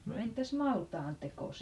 no entäs maltaan teko sitten